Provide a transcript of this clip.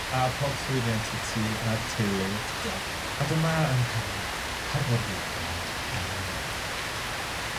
a pob llwyddiant i ti a'r teulu. Diolch. A dyma yn canu harbwr ddiogel Elin Fflyr.